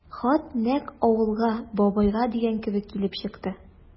Хат нәкъ «Авылга, бабайга» дигән кебек килеп чыкты.